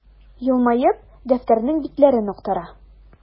Елмаеп, дәфтәрнең битләрен актара.